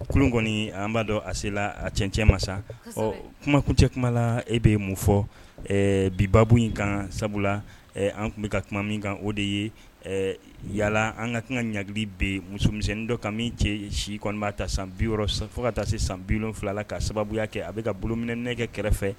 Ku kɔni an b'a dɔn a selenla a cɛn cɛ ma sa ɔ kumakun cɛ kuma la e bɛ mun fɔ bibabu in kan sabula la an tun bɛ ka kuma min kan o de ye yalala an ka kan ka ɲagali bɛ musomisɛnnin dɔ ka min cɛ si kɔni' ta san bi fo ka taa se san bilon wolonwulala ka sababuya kɛ a bɛka ka bolominɛ nɛgɛ kɛrɛfɛ